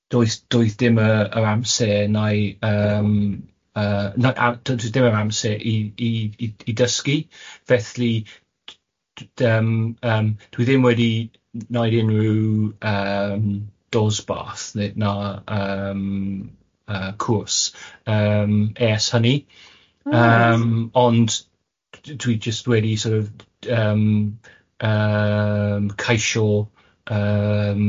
does doedd dim yr amser na'i yym yy na- a- doedd dim yr amser i i i dysgu felly d- yym yym dwi ddim wedi wnaid unryw yym dosbath neu na yym yy cws yym ers hynny yym... Oh reit. ...ond- d- dwi jyst wedi sort of yym yym caisio yym